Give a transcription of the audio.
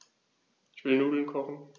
Ich will Nudeln kochen.